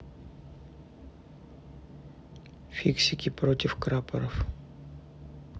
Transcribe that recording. фиксики против крапоров